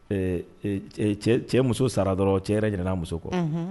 Cɛ muso sara dɔrɔn cɛ yɛrɛ n' muso kɔ